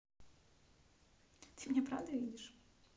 ты меня правда видишь